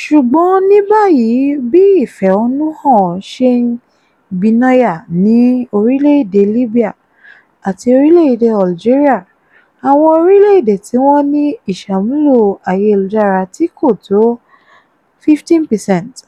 Ṣùgbọ́n ní báyìí, bí ìfẹ̀hónúhàn ṣe ń gbìnàyá ní orílẹ̀ èdè Libya àti orílẹ̀ èdè Algeria - àwọn orílẹ̀ èdè tí wọ́n ní ìsàmúlò ayélujára tí kò tó 15%